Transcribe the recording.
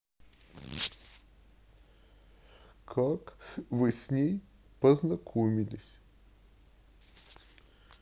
как вы с ней познакомились